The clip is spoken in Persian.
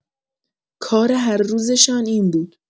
کار هر روزشان این بود.